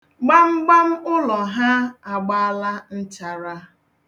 Gbamgbam ụlọ ha agbaala nchara.